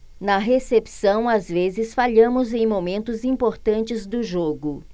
na recepção às vezes falhamos em momentos importantes do jogo